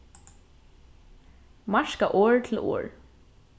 marka orð til orð